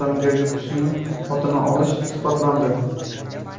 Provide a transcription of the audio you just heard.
odamga yuqishining oldini olishi isbotlandi